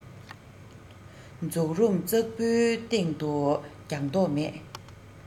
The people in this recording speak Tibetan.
མཛོག རུམ གཙག བུའི སྟེང དུ རྒྱག མདོག མེད